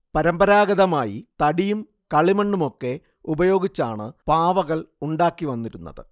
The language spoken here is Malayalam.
പരമ്പരാഗതമായി തടിയും കളിമണ്ണുമൊക്കെ ഉപയോഗിച്ചാണ് പാവകൾ ഉണ്ടാക്കി വന്നിരുന്നത്